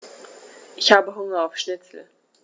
Ich habe Hunger auf Schnitzel.